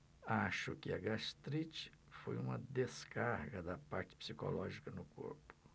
acho que a gastrite foi uma descarga da parte psicológica no corpo